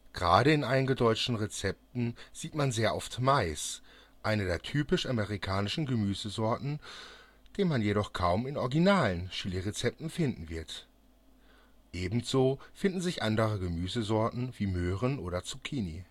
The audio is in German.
Gerade in eingedeutschten Rezepten sieht man sehr oft Mais, eine der typisch amerikanischen Gemüsesorten, den man jedoch kaum in originalen Chilirezepten finden wird. Ebenso finden sich andere Gemüsesorten wie Möhren oder Zucchini